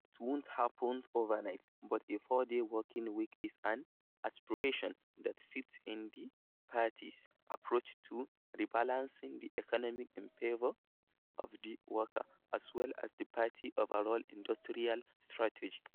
It won't happen overnight but a four-day working week is an aspiration that fits in with the party's approach to rebalancing the economy in favor of the worker as well as the party's overall industrial strategy.'